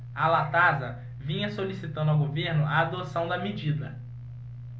a latasa vinha solicitando ao governo a adoção da medida